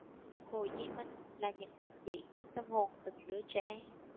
hồ chí minh là những bình dị trong tâm hồn từng đứa trẻ